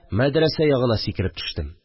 Мәдрәсә ягына сикереп төштем